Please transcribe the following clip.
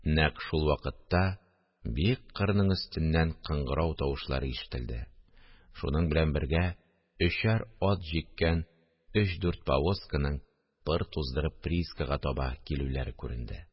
Нәкъ шул вакытта биек кырның өстеннән кыңгырау тавышлары ишетелде, шуның белән бергә өчәр ат җиккән өч-дүрт повозканың, пыр туздырып, приискага таба килүләре күренде